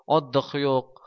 otdix yo'q